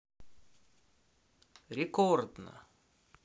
рекордно